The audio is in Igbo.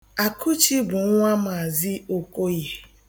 Akụchi bụ nwa Maazị Okoye.